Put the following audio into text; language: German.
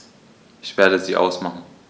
Ich werde sie ausmachen.